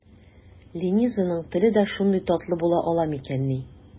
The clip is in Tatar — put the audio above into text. Ленизаның теле дә шундый татлы була ала микәнни?